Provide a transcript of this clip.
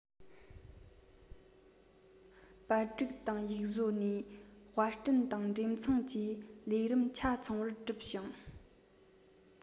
པར སྒྲིག དང ཡིག བཟོ ནས དཔར སྐྲུན དང འགྲེམ ཚོང བཅས ལས རིམ ཆ ཚང བར གྲུབ བྱུང